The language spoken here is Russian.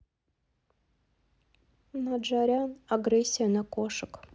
наджарян агрессия на кошек